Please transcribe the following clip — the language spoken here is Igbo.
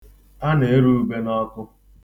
A na-eru ube n'ọkụ.